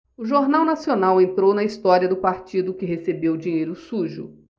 o jornal nacional entrou na história do partido que recebeu dinheiro sujo